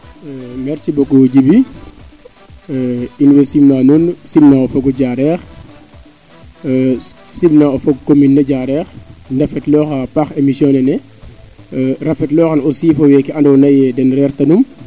merci beaucoup Djiby in way simna nuun simna fogo Diarekh simna o fog commune o Diarekh ndafetloxa a paax emission nene rafetlo xan aussi fo weeke ando naye den reerta num